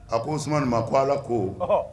A ko suma ma ko ala ko